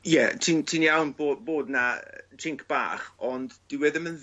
Ie ti'n ti'n iawn bo' bod 'na yy chink bach ond dyw e ddim yn